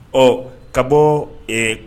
Ɔ ka bɔ